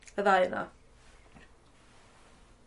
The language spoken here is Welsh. Y ddau o n'w.